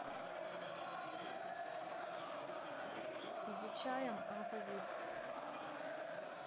изучаем алфавит